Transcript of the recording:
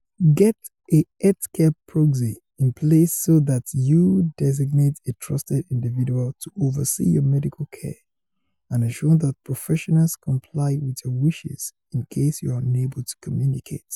Get a health-care proxy in place so that you designate a trusted individual to oversee your medical care and ensure that professionals comply with your wishes in case you're unable to communicate.